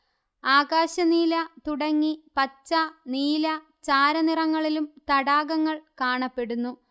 ആകാശനീല തുടങ്ങി പച്ച നീല ചാരനിറങ്ങളിലും തടാകങ്ങൾ കാണപ്പെടുന്നു